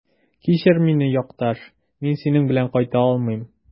Кичер мине, якташ, мин синең белән кайта алмыйм.